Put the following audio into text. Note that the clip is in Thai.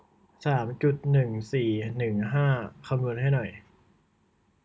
สามจุดหนึ่งสี่หนึ่งห้าคำนวณให้หน่อย